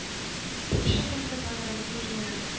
Сугшып үлде бәгърем, күз нурым.